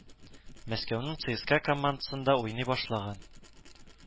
Мәскәүнең ЦээСКА командасында уйный башлаган